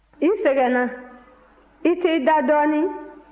i sɛgɛnna i t'i da dɔɔnin